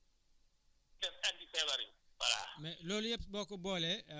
champignons yi ñoom ñooy def andi feebar yi voilà